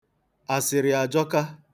Asịrị ajọka.